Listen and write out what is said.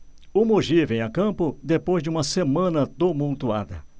o mogi vem a campo depois de uma semana tumultuada